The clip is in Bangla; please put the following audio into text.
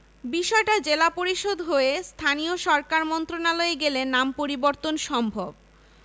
বিষয়টা জেলা পরিষদ হয়ে স্থানীয় সরকার মন্ত্রণালয়ে গেলে নাম পরিবর্তন সম্ভব